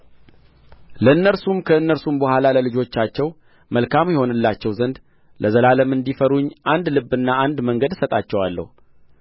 ለእነርሱም ከእነርሱም በኋላ ለልጆቻቸው መልካም ይሆንላቸው ዘንድ ለዘላለም እንዲፈሩኝ አንድ ልብና አንድ መንገድ እሰጣቸዋለሁ